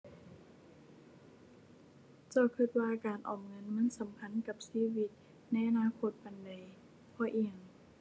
เจ้าคิดว่าการออมเงินมันสำคัญกับชีวิตในอนาคตปานใด เพราะอิหยัง